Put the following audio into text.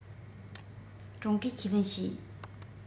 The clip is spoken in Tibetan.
ཀྲུང གོས ཁས ལེན བྱོས